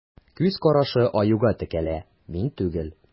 Күз карашы Аюга текәлә: мин түгел.